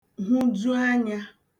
huju anyā